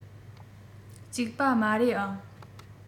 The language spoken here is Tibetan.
ཅིག པ མ རེད ཨ